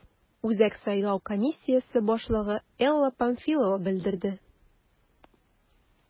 Үзәк сайлау комиссиясе башлыгы Элла Памфилова белдерде: